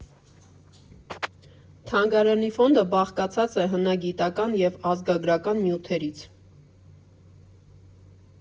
Թանգարանի ֆոնդը բաղկացած է հնագիտական և ազգագրական նյութերից։